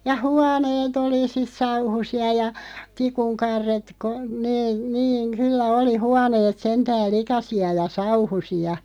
ja huoneet oli sitten sauhuisia ja tikun karret - ne niin kyllä oli huoneet sentään likaisia ja sauhuisia